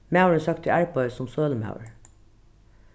maðurin søkti arbeiði sum sølumaður